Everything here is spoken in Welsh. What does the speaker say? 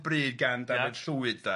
Dafydd Llwyd de.